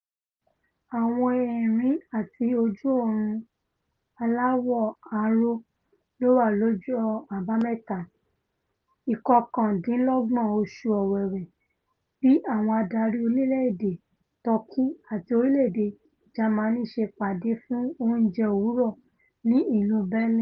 Àwọn ẹ̀rín àti ojú-ọrun aláwọ aró lówà lọ́jọ́ Àbámẹ́tà (ìkọkàndínlọ́gbọ̀n oṣ̀ù Owewe) bí àwọn adari orílẹ̀-èdè Tọ́kì àti orílẹ̀-èdè Jamani ṣe pàdé fún oúnjẹ òwúrọ̀ ní ìlú Berlin.